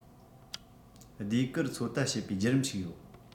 ཟློས གར ཚོད ལྟ བྱེད པའི བརྒྱུད རིམ ཞིག ཡོད